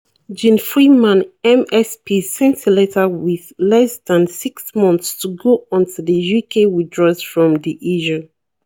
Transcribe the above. Jeane Freeman MSP sent a letter with less than six months to go until the UK withdraws from the EU.